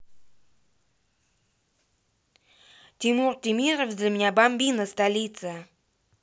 тимур темиров для меня бамбина столица